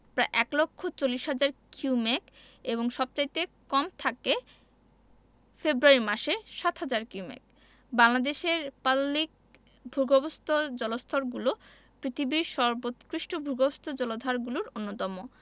প্রায় এক লক্ষ চল্লিশ হাজার কিউমেক এবং সবচাইতে কম থাকে ফেব্রুয়ারি মাসে ৭হাজার কিউমেক বাংলাদেশের পাললিক ভূগর্ভস্থ জলস্তরগুলো পৃথিবীর সর্বোৎকৃষ্টভূগর্ভস্থ জলাধারগুলোর অন্যতম